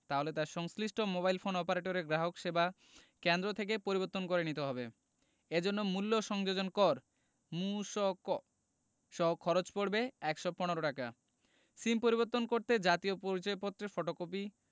তাহলে তা সংশ্লিষ্ট মোবাইল ফোন অপারেটরের গ্রাহকসেবা কেন্দ্র থেকে পরিবর্তন করে নিতে হবে এ জন্য মূল্য সংযোজন কর মূসক সহ খরচ পড়বে ১১৫ টাকা সিম পরিবর্তন করতে জাতীয় পরিচয়পত্রের ফটোকপি